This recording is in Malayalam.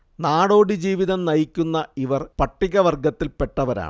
നാടോടി ജീവിതം നയിക്കുന്ന ഇവർ പട്ടിക വർഗത്തിൽപ്പെട്ടവരാണ്